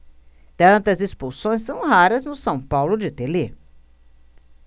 tantas expulsões são raras no são paulo de telê